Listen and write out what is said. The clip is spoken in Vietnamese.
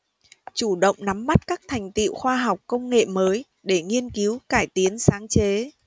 chủ động nắm bắt các thành tựu khoa học công nghệ mới để nghiên cứu cải tiến sáng chế